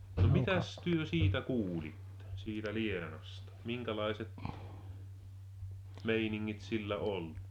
mitäs te siitä kuulitte siitä Leenasta minkälaiset meiningit sillä oli